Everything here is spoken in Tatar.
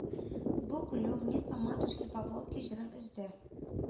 Бу көлү “Вниз по матушке по Волге“ җырын өзде.